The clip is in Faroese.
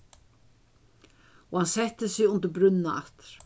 og hann setti seg undir brúnna aftur